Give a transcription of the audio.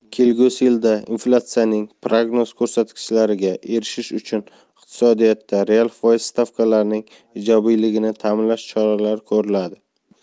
kelgusi yilda inflyatsiyaning prognoz ko'rsatkichlariga erishish uchun iqtisodiyotda real foiz stavkalarining ijobiyligini ta'minlash choralari ko'riladi